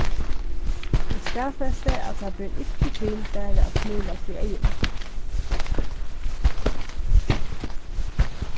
eg staðfesti at tað ber ikki til bara at smílast við eygunum